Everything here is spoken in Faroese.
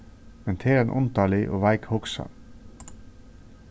men tað er ein undarlig og veik hugsan